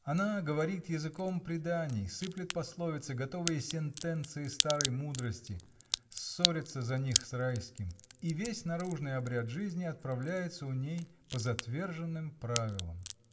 Она говорит языком преданий, сыплет пословицы, готовые сентенции старой мудрости, ссорится за них с Райским, и весь наружный обряд жизни отправляется у ней по затверженным правилам.